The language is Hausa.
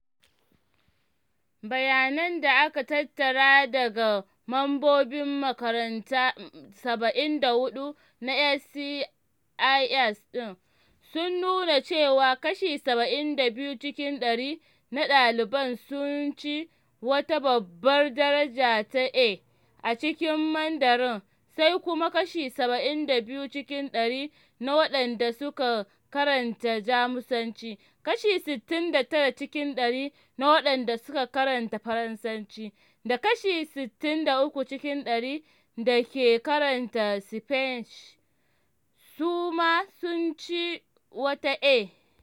Bayanan, da aka tattara daga mambobin makaranta 74 na SCIS ɗin, sun nuna cewa kashi 72 cikin ɗari na ɗaliban sun ci wata Babbar daraja ta A a cikin Mandarin, sai kuma kashi 72 cikin ɗari na waɗanda suka karanta Jamusanci, kashi 69 cikin ɗari na waɗanda suka karanta Farasanci da kashi 63 cikin ɗari da ke karanta Spanish su ma sun sami wata A.